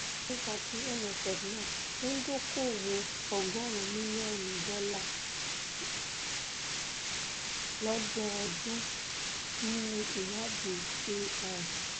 Nípá ti NSF náà, ó ń dóoko-òwò ọgọ́ọ̀rún mílíọ̀nù dọ́là lọ́dọ́ọdún nínú ìwáàdí AI.